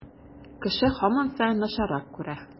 Кеше һаман саен начаррак күрә.